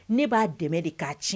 Ne b'a dɛmɛ de k'a tiɲɛ